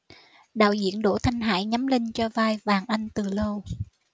đạo diễn đỗ thanh hải nhắm linh cho vai vàng anh từ lâu